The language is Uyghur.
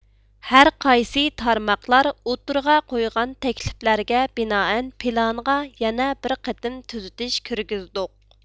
ھەرقايسى تارماقلار ئوتتۇرىغا قويغان تەكلىپلەرگە بىنائەن پىلانغا يەنە بىر قېتىم تۈزىتىش كىرگۈزدۇق